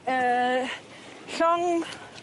Yy llong